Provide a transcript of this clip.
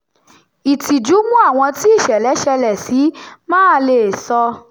Ìtìjú mú àwọn tí ìṣẹ̀lẹ̀ ṣẹlẹ̀ sí máà leè sọ